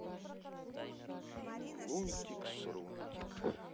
лунтик срунтик